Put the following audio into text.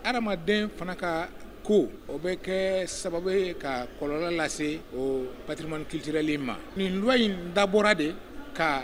Adamadamaden fana ka ko o bɛ kɛ sababu ka kɔlɔnla lase o patirimani kitilen ma nin in dabɔ de ka